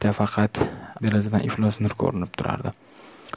faqat bitta derazadan iflos nur to'kilib turardi